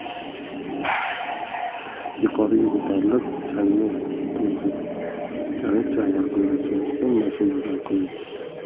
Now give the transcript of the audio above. yuqoriga ko'tarilib changni to'zitganicha yaqinlashayotgan mashinaga ko'zi tushdi